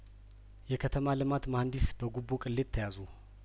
የከተማ ልማት መሀንዲስ በጉቦ ቅሌት ተያዙ